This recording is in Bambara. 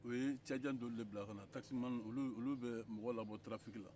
o ye cadikaw dɔw de bila ka na takisibolilaw olu bɛ mɔgɔ labɔ tarafiki la